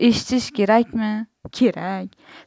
eshitish kerakmi kerak